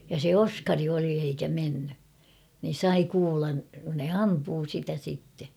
ja se Oskari oli eikä mennyt niin sai kuulan ne ampui sitä sitten